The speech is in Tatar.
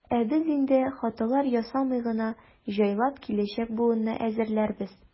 Ә без инде, хаталар ясамый гына, җайлап киләчәк буынны әзерләрбез.